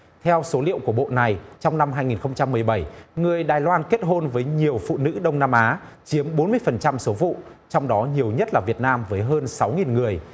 theo số liệu của bộ này trong năm hai nghìn không trăm mười bảy người đài loan kết hôn với nhiều phụ nữ đông nam á chiếm bốn mươi phần trăm số vụ trong đó nhiều nhất là việt nam với hơn sáu nghìn người